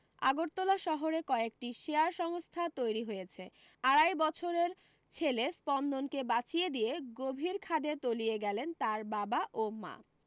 আগরতলা শহরে কয়েকটি শেয়ার সংস্থা তৈরী হয়েছে আড়াই বছরের ছেলে স্পন্দনকে বাঁচিয়ে দিয়ে গভীর খাদে তলিয়ে গেলেন তার বাবা ও মা